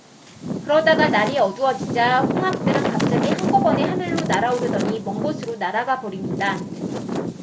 그러다가 날이 어두워지자 홍학들은 갑자기 한꺼번에 하늘로 날아오르더니 먼 곳으로 날아가 버립니다